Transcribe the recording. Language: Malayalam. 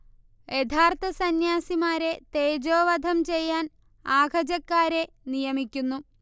യഥാർത്ഥ സന്യാസിമാരെ തേജോവധം ചെയ്യാൻ ആഖജക്കാരെ നിയമിക്കുന്നു